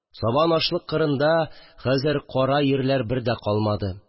Сабан ашлык кырында хәзер кара йирләр бер дә калмады